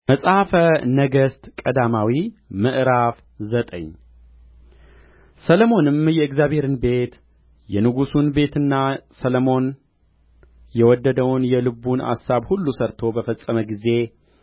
መጽሐፈ ነገሥት ቀዳማዊ ምዕራፍ ዘጠኝ ሰሎሞንም የእግዚአብሔርን ቤት የንጉሡን ቤትና ሰሎሞን የወደደውን የልቡን አሳብ ሁሉ ሠርቶ በፈጸመ ጊዜ